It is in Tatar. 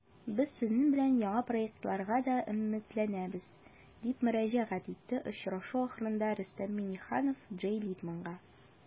Без сезнең белән яңа проектларга да өметләнәбез, - дип мөрәҗәгать итте очрашу ахырында Рөстәм Миңнеханов Джей Литманга.